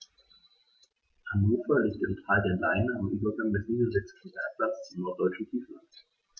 Hannover liegt im Tal der Leine am Übergang des Niedersächsischen Berglands zum Norddeutschen Tiefland.